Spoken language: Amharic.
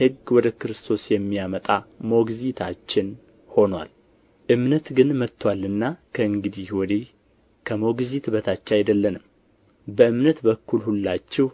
ሕግ ወደ ክርስቶስ የሚያመጣ ሞግዚታችን ሆኖአል እምነት ግን መጥቶአልና ከእንግዲህ ወዲህ ከሞግዚት በታች አይደለንም በእምነት በኩል ሁላችሁ